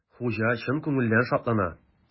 Хуҗа чын күңелдән шатлана.